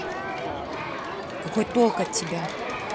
какой толк от тебя